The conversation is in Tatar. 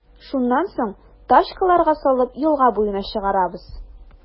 Шуннан соң, тачкаларга салып, елга буена чыгарабыз.